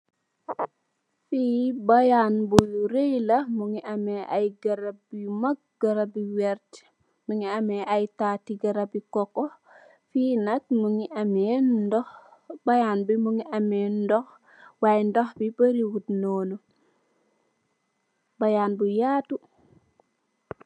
Li bayal bu ruay la mugi ame ay garab yu mage mugi ame ay cob yu weert mugi ame ay tati garabi coco bayal bi mugi ame ndox wy ndox bi bariwout nonu bayal bu yato